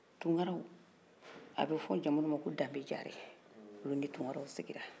tunkaraw a bɛ fɔ jamu dɔ ma ko dambejare oluw ni tunkaraw sigira